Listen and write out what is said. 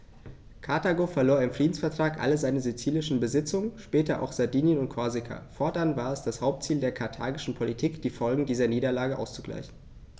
Karthago verlor im Friedensvertrag alle seine sizilischen Besitzungen (später auch Sardinien und Korsika); fortan war es das Hauptziel der karthagischen Politik, die Folgen dieser Niederlage auszugleichen.